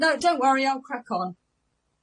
No don't worry I'll crack on.